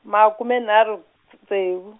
makume nharhu nts-, ntsevu.